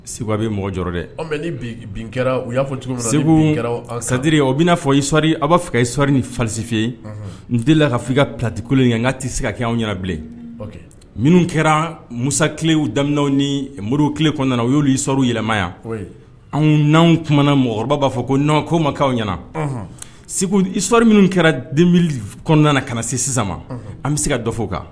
Segu a bɛ mɔgɔ jɔ dɛ bin kɛra u y'a fɔ segu sadiri o bɛnaa fɔ i sɔɔriri a b'a fɛ i sɔɔriri ni fasifi yen n delila ka' kati kelen in an ka tɛ se ka kɛ anw ɲɛna bilen minnu kɛra musatile daminɛw ni mori kɔnɔna u y'olu i ssɔrɔ yɛlɛmaya anw nanw tun mɔgɔ b'a fɔ ko n' ko maaw ɲɛna segu iɔri minnu kɛra den kɔnɔna na ka na se sisan ma an bɛ se ka dɔ fɔ kan